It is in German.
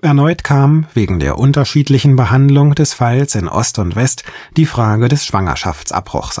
Erneut kam – wegen der unterschiedlichen Behandlung des Falles in Ost und West – die Frage des Schwangerschaftsabbruchs